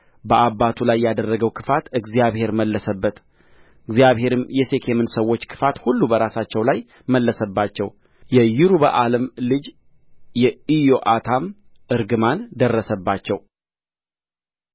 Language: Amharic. በአባቱ ላይ ያደረገውን ክፋት እግዚአብሔር መለሰበት እግዚአብሔርም የሴኬምን ሰዎች ክፋት ሁሉ በራሳቸው ላይ መለሰባቸው የይሩበኣልም ልጅ የኢዮአታም እርግማን ደረሰባቸው